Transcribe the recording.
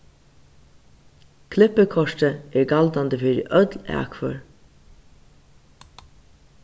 klippikortið er galdandi fyri øll akfør